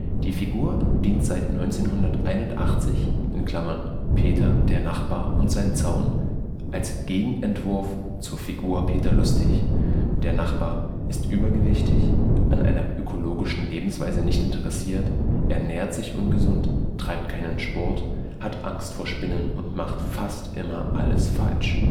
Die Figur dient seit 1981 (Peter, der Nachbar und ein Zaun) als Gegenentwurf zur Figur Peter Lustig. Der Nachbar ist übergewichtig, an einer ökologischen Lebensweise nicht interessiert, ernährt sich ungesund, treibt keinen Sport, hat Angst vor Spinnen und macht „ fast immer alles falsch